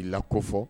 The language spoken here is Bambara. I la ko fɔ